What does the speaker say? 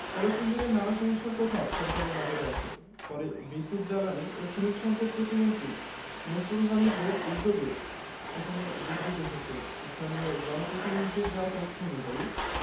এমন সময় রান্নাঘর থেকে মায়ের ডাক এলো মা শরিফা এসো নানার জন্য নাশতা নিয়ে যাও শরিফা নাশতা নিয়ে এলো নানার জন্য খাবার পানি নিয়ে এলো হাত মোছার গামছা নিয়ে এলো